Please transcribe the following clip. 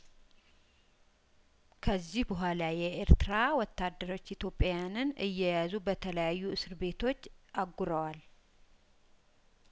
ከዚህ በኋላ የኤርትራ ወታደሮች ኢትዮጵያንን እየያዙ በተለያዩ እስር ቤቶች አጉረዋል